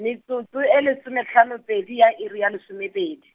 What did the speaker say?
metsotso e lesome hlano pedi ya iri ya lesome pedi.